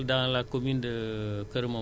Fouta sax sori na fii ci région Louga rekk